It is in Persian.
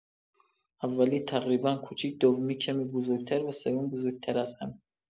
اولی تقریبا کوچک، دومی کمی بزرگ‌تر و سومی بزرگ‌تر از همه.